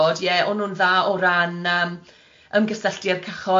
Ie o'n nhw'n dda o ran yym ymgysylltu a'r cyhoedd